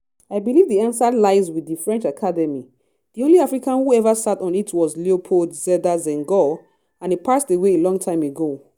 I believe the answer lies with the French Academy: the only African who ever sat on it was Léopold Sédar Senghor, and he passed away a long time ago.